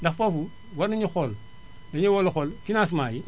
ndax foofu war namutuelle :frau xool dañoo war a xool finanacement yi